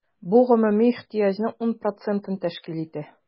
Бу гомуми ихтыяҗның 10 процентын тәшкил итә.